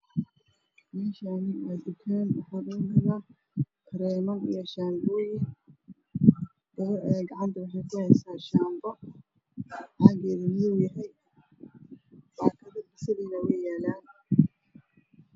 Meshani waa dukan waxa lakugad karen io shaboyin gabar ayey gacant kuheysa shabo caged madow yahay bakado beseli wey yalan